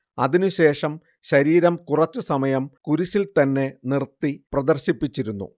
അതിനു ശേഷം ശരീരം കുറച്ചു സമയം കുരിശിൽത്തന്നെ നിർത്തി പ്രദർശിപ്പിച്ചിരുന്നു